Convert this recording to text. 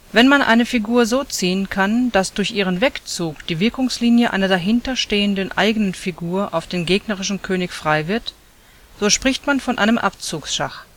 Wenn man eine Figur so ziehen kann, dass durch ihren Wegzug die Wirkungslinie einer dahinter stehenden eigenen Figur auf den gegnerischen König frei wird, so spricht man von einem Abzugsschach